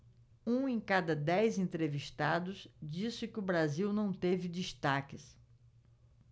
um em cada dez entrevistados disse que o brasil não teve destaques